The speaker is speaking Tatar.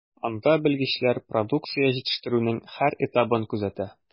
Анда белгечләр продукция җитештерүнең һәр этабын күзәтә.